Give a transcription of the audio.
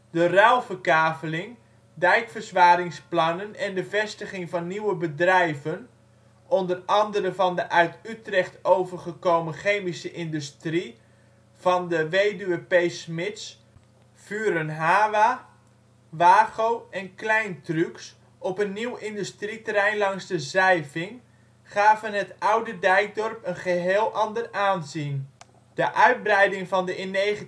De ruilverkaveling, dijkverzwaringsplannen en de vestiging van nieuwe bedrijven, onder andere van de uit Utrecht overgekomen chemische industrie van de Wed. P. Smits, Vuren HAWA, Wago en Kleyn Trucks op een nieuw industrieterrein langs de Zeiving, gaven het oude dijkdorp een geheel ander aanzien. De uitbreiding van de in 1902